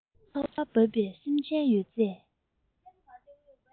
ཁ བ བབས པས སེམས ཅན ཡོད ཚད